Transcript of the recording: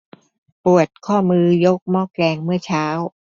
ปวดข้อมือยกหม้อแกงเมื่อเช้า